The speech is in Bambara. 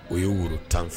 O ye woro tan